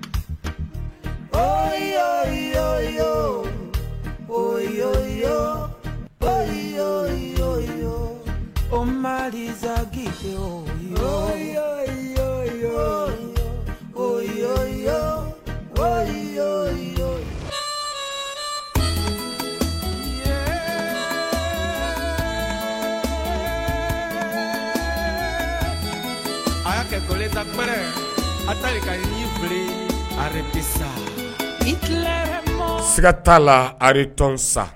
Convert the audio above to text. Ɔriyɔyɔyɔ yo yo o masakiyɔyɔyɔ wali a y'a kɛ dɔnkili lame a taara ka y'i fili aliritisa i tile siga t' la aliritɔn sa